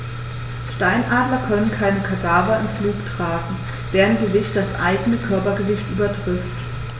Steinadler können keine Kadaver im Flug tragen, deren Gewicht das eigene Körpergewicht übertrifft.